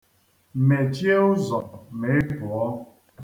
Mechie ụzọ ma ị pụọ.